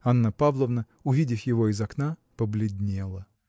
Анна Павловна, увидев его из окна, побледнела.